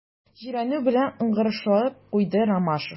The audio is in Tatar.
Җирәнү белән ыңгырашып куйды Ромашов.